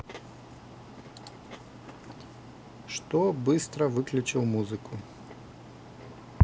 что быстро выключил музыку